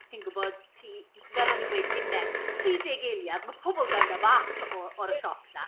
Ti'n gwybod, ti... fel o'n i'n dweud gynnau, tri deg eiliad, ma' pobl mewn a mas o o'r siop 'na!